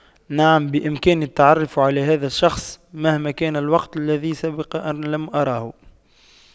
نعم بإمكاني التعرف على هذا الشخص مهما كان الوقت الذي سبق ان لم أراه